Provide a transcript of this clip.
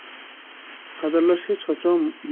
qadrlash hech qachon